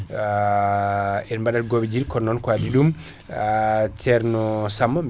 en baɗat goɓejir kono non ko adi ɗum ceerno Samba